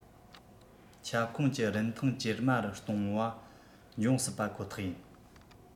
ཁྱབ ཁོངས ཀྱི རིན ཐང ཇེ དམའ རུ གཏོང བ འབྱུང སྲིད པ ཁོ ཐག ཡིན